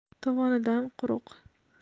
tovonidan quruq